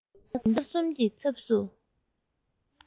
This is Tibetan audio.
ཉི ཟླ སྐར གསུམ གྱི ཚབ ཏུ